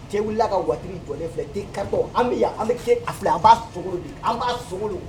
Cɛ wili ka waati jɔlen filɛ kari an bɛ an bɛ ce a filɛ an b'a sogo an b'a sogo